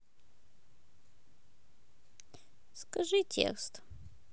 скажи текст